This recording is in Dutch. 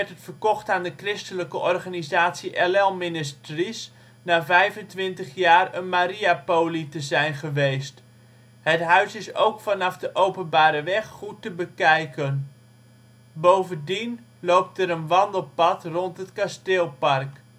verkocht aan de christelijke organisatie Ellel Ministries, na 25 jaar een Mariapoli te zijn geweest. Het huis is ook vanaf de openbare weg goed te bekijken; bovendien loopt er een wandelpad rond het kasteelpark